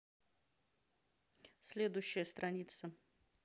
следующая страница